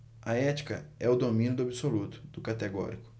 a ética é o domínio do absoluto do categórico